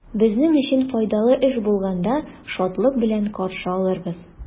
Безнең өчен файдалы эш булганда, шатлык белән каршы алырбыз.